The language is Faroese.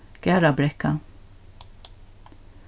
garðabrekka